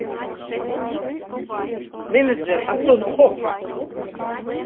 менеджер антон хоха